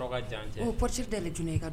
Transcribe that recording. Psi de dalen jɔn